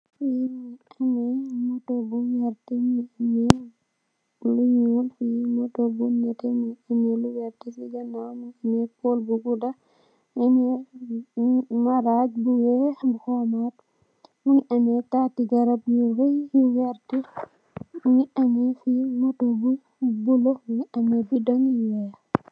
Fee muge ameh motou bu werte muge ameh lu weex fee motou bu neteh muge ameh lu verte se ganaw muge ameh pole bu gouda muge ameh marag bu weex bu xomat muge ameh tate garab yu raye yu werte muge ameh fee motou bu bulo muge ameh bedong ye weex.